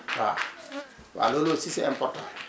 waaw waaw loolu aussi c' est important